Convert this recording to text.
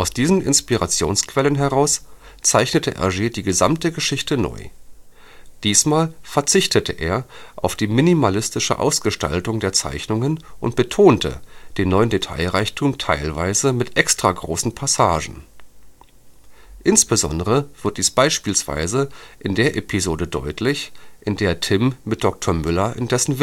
diesen Inspirationsquellen heraus zeichnete Hergé die gesamte Geschichte neu. Diesmal verzichtete er auf die minimalistische Ausgestaltung der Zeichnungen und betonte den neuen Detailreichtum mit teilweise extragroßen Passagen. Besonders wird dies beispielsweise in der Episode deutlich, in der Tim mit Dr. Müller in dessen